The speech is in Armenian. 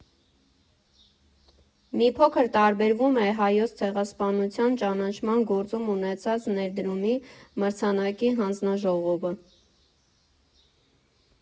Մի փոքր տարբերվում է Հայոց ցեղասպանության ճանաչման գործում ունեցած ներդրումի մրցանակի հանձնաժողովը.